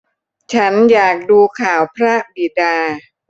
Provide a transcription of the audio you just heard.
ฉันอยากดูข่าวพระบิดา